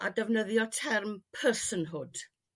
a defnyddio term personhood.